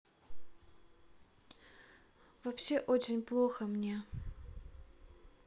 вообще очень плохо мне